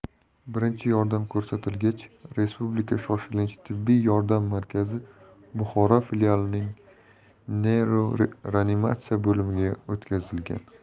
birinchi yordam ko'rsatilgach respublika shoshilinch tibbiy yordam markazi buxoro filialining neyroreanimatsiya bo'limiga o'tkazilgan